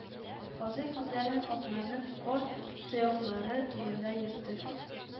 Казый, күзләрен атларның арт тояклары турында йөртеп: